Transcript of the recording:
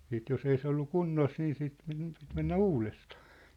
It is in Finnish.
sitten jos ei se ollut kunnossa niin sitten piti piti mennä uudestaan